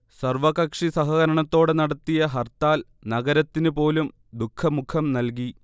സർവകക്ഷി സഹകരണത്തോടെ നടത്തിയ ഹർത്താൽ നഗരത്തിന് പോലും ദുഃഖമുഖം നൽകി